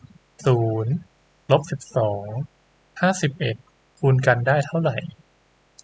ศูนย์ลบสิบสองห้าสิบเอ็ดคูณกันได้เท่าไหร่